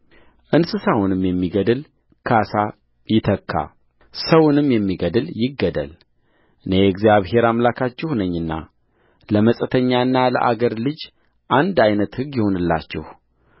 እንስሳውንም የሚገድል ካሣ ይተካ ሰውንም የሚገድል ይገደልእኔ እግዚአብሔር አምላካችሁ ነኝና ለመጻተኛና ለአገር ልጅ አንድ ዓይነት ሕግ ይሁንላችሁ